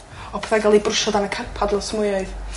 o' pethau'n ga'l eu brwsio dan y carpad lot mwy...